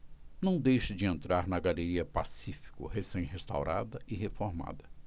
não deixe de entrar na galeria pacífico recém restaurada e reformada